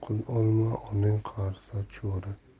olma onang qarisa cho'ri